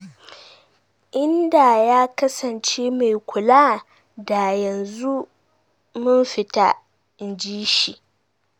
"In da ya kasance mai kula, da yanzu mun fita," in ji shi.